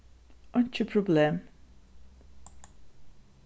einki problem